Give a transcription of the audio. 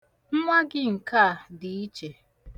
Nwa gị nke a dị iche.